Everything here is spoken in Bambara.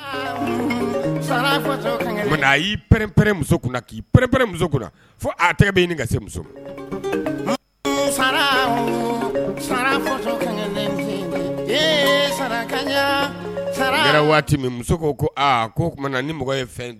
-ɛ ko